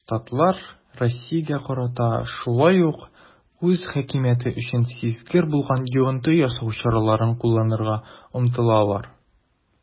Штатлар Россиягә карата шулай ук үз хакимияте өчен сизгер булган йогынты ясау чараларын кулланырга омтылалар.